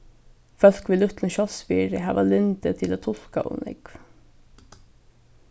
fólk við lítlum sjálvsvirði hava lyndi til at tulka ov nógv